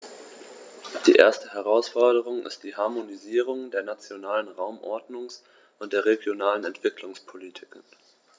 Die erste Herausforderung ist die Harmonisierung der nationalen Raumordnungs- und der regionalen Entwicklungspolitiken.